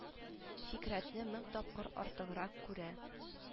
Фикърәтне мең тапкыр артыграк күрә